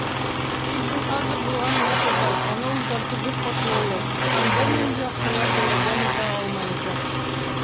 Тик бу хәзер булган мөнәсәбәт, аны үзгәртү бик катлаулы, һәм бернинди акчалар да ярдәм итә алмаячак.